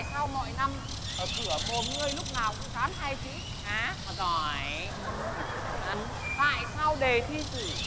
tại sao mọi năm ở cửa mồm ngươi lúc nào cũng dán hai chữ khá và giỏi tại sao đề thi sử